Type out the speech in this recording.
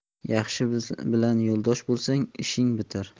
yaxshi bilan yo'ldosh bo'lsang ishing bitar